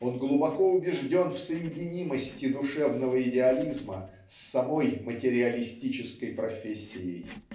он глубоко убежден в соединимости душевного идеализма с самой материалистической профессией.